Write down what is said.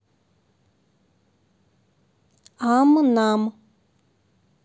ам нам